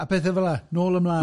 A pethau fela, nôl ymlaen.